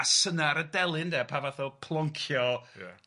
...a syna' ar y delyn de pa fath o ploncio... Ia